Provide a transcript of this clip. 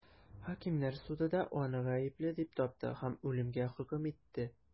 Хакимнәр суды да аны гаепле дип тапты һәм үлемгә хөкем итте.